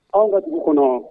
An ka dugu kɔnɔ